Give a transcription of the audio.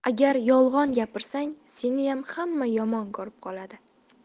agar yolg'on gapirsang seniyam hamma yomon ko'rib qoladi